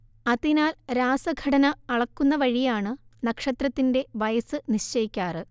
അതിനാൽ രാസഘടന അളക്കുന്നവഴിയാണ് നക്ഷത്രത്തിന്റെ വയസ്സ് നിശ്ചയിക്കാറ്